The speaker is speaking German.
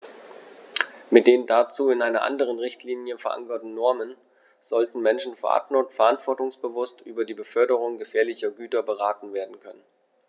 Mit den dazu in einer anderen Richtlinie, verankerten Normen sollten Menschen verantwortungsbewusst über die Beförderung gefährlicher Güter beraten werden können.